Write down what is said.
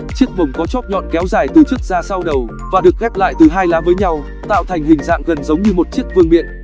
chiếc mồng có chóp nhọn kéo dài từ trước ra sau đầu và được ghép lại từ lá với nhau tạo thành hình dạng gần giống như một chiếc vương miện